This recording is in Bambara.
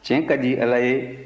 tiɲɛ ka di ala ye